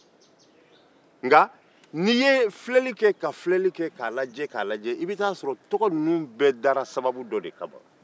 nka n'i ye filɛli ke k'a laje i bɛ t'a sɔrɔ tɔgɔ ninnu bɛ dara sababu dɔ de la